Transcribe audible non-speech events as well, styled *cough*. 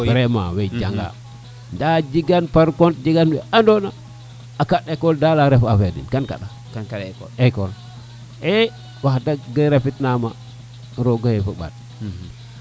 vraiment owey janga nda a jenga ten par compte jegan we ando na a kaɗ ecole del ref affaire den kan kaɗa ecole e wax deg ge refit na ma roga *unintelligible*